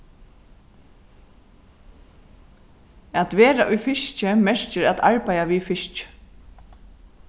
at vera í fiski merkir at arbeiða við fiski